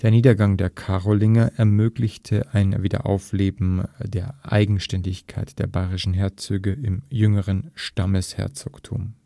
Niedergang der Karolinger ermöglichte ein Wiederaufleben der Eigenständigkeit der bayerischen Herzöge im „ jüngeren Stammesherzogtum